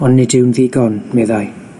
ond nid yw'n ddigon, meddai.